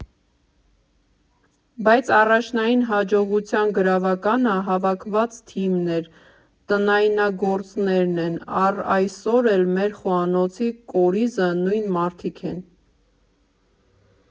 Բայց առաջնային հաջողության գրավականը հավաքված թիմն էր՝ տնայնագործներ են, առ այսօր էլ մեր խոհանոցի կորիզը նույն մարդիկ են։